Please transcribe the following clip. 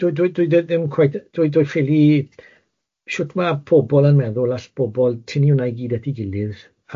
Dwi dwi dwi dwi ddim cweit dwi ffili shwt ma' pobl yn meddwl all bobl tynnu hwnna i gyd at ei gilydd a